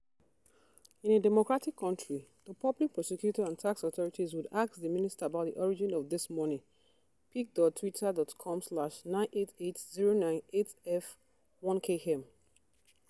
In a democratic country, the public prosecutor and tax authorities would ask the minister about the origin of this money pic.twitter.com/98809Ef1kM